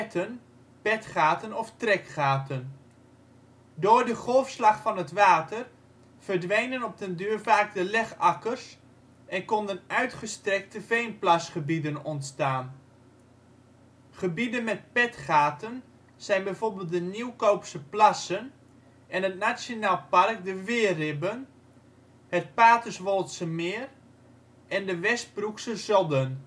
de petten, petgaten of trekgaten. Door de golfslag van het water verdwenen op den duur vaak de legakkers en konden uitgestrekte veenplasgebieden ontstaan. Gebieden met petgaten zijn bijvoorbeeld de Nieuwkoopse plassen en het Nationaal Park De Weerribben, het Paterswoldsemeer en de Westbroekse Zodden